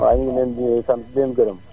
waaw ñu ngi leen di sant di leen gërëm